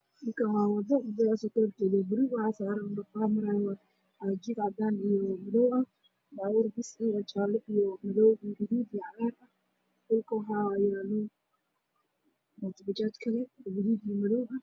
Meshaan waa wado midab keedu yahay cadaan waxaa maraayo gaari